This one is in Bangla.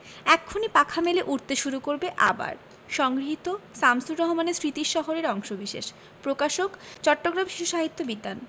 এক্ষুনি পাখা মেলে উড়তে শুরু করবে আবার সংগৃহীত শামসুর রহমানের স্মৃতির শহর এর অংশবিশেষ প্রকাশকঃ চট্টগ্রাম শিশু সাহিত্য বিতান